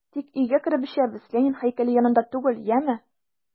Тик өйгә кереп эчәбез, Ленин һәйкәле янында түгел, яме!